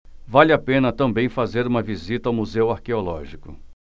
vale a pena também fazer uma visita ao museu arqueológico